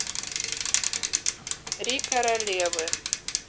три королевы